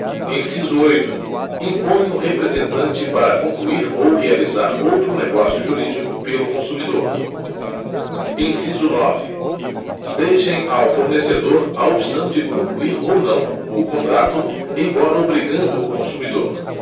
inciso oito imponham representante para concluir ou realizar outro negócio jurídico pelo consumidor inciso nove deixem ao fornecedor a opção de concluir ou não o contrato embora obrigando o consumidor